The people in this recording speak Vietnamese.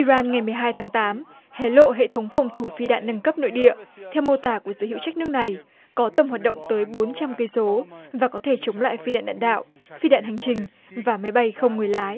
i ran ngày mười hai tháng tám hé lộ hệ thống phòng thủ phi đạn nâng cấp nội địa theo mô tả của giới hữu trách nước này có tầm hoạt động tới bốn trăm cây số và có thể chống lại phi đạn đạn đạo phi đạn hành trình và máy bay không người lái